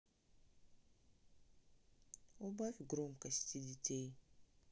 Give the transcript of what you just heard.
убавь громкости детей